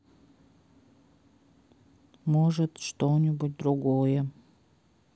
может что нибудь другое